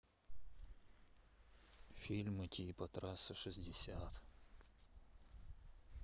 фильмы типа трассы шестьдесят